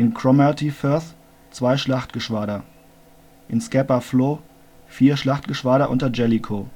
Cromarty Firth zwei Schlachtgeschwader in Scapa Flow vier Schlachtgeschwader unter Jellicoe